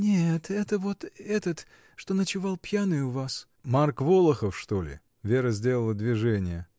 — Нет, это вот этот, что ночевал пьяный у вас. — Марк Волохов, что ли? Вера сделала движение.